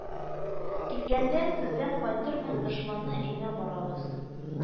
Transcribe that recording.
Килгәндә, тиздән кайтырмын, дошманны иңә барабыз